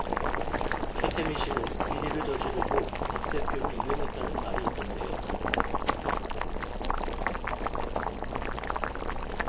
최태민씨는 비리를 저지르고 박 대표를 이용했다는 말이 있던데요